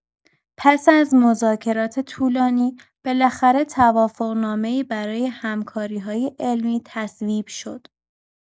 پس از مذاکرات طولانی، بالاخره توافق‌نامه‌ای برای همکاری‌های علمی تصویب شد.